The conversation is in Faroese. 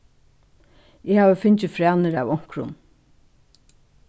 eg havi fingið frænir av onkrum